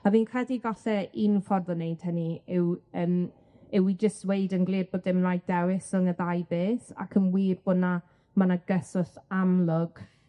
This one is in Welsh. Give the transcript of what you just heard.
A fi'n credu falle un ffordd o neud hynny yw yym yw i jyst weud yn glir bo' dim raid dewis rhwng y ddau beth, ac yn wir bo' 'na ma' 'na gyswllt amlwg